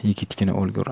yigitgina o'lgur